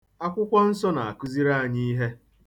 Akwụkwọ Nsọ na-akụziri anyị ihe.